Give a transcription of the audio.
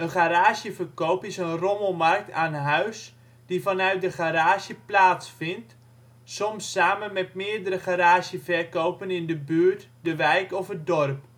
garageverkoop is een rommelmarkt aan huis die vanuit de garage plaatsvindt, soms samen met meerdere garageverkopen in de buurt, de wijk of het dorp